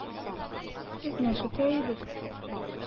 Сезне көтә идек.